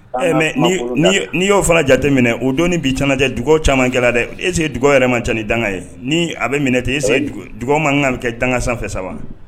Ɛɛ mais n'i y'o fana jateminɛ,o don bi cɛ duwɔwu caman kɛra dɛ est ce quedugawu yɛrɛ ma ca ni danga ye, ni a bɛ minɛ ten est ce que duwɔwu ma kan kɛ danga sanfɛ wa?